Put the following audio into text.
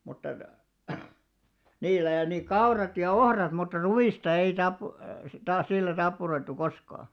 mutta niillä ja niin kaurat ja ohrat mutta ruista ei - taas sillä tappuroitu koskaan